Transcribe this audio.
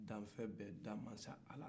danfɛn bɛ danmasa ala